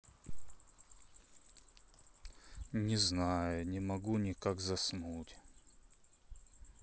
не знаю не могу никак заснуть